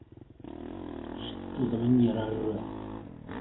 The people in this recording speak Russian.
что за манера орать